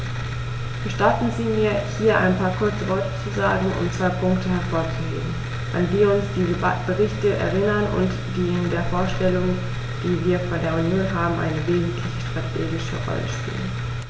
Gestatten Sie mir, hier ein paar kurze Worte zu sagen, um zwei Punkte hervorzuheben, an die uns diese Berichte erinnern und die in der Vorstellung, die wir von der Union haben, eine wesentliche strategische Rolle spielen.